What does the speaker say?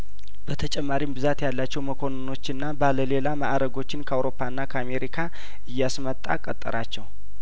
በተጨማሪም ብዛት ያላቸው መኮንኖችና ባለሌላ ማእረጐችን ከአውሮፓና ከአሜሪካ እያስመጣ ቀጠራቸው